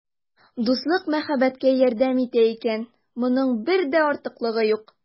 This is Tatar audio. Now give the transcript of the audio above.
Дуслык мәхәббәткә ярдәм итә икән, моның бер дә артыклыгы юк.